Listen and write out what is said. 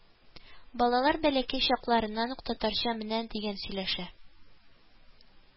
Балалар бәләкәй чакларыннан ук татарча менә дигән сөйләшә